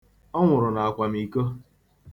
Ọ nwụrụ n'akwamiko.